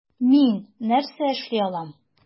Мин нәрсә эшли алам?